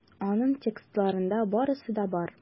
Аның текстларында барысы да бар.